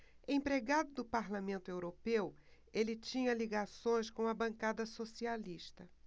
empregado do parlamento europeu ele tinha ligações com a bancada socialista